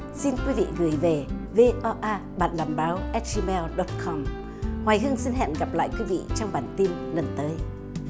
xin quý vị gửi về vê o a bạn làm báo ét i meo đót khom hoài hương xin hẹn gặp lại quý vị trong bản tin lần tới